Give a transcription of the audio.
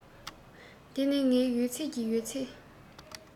འདི ནི ངའི ཡོད ཚད ཀྱི ཡོད ཚད